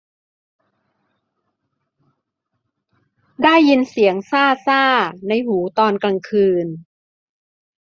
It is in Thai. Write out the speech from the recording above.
ได้ยินเสียงซ่าซ่าในหูตอนกลางคืน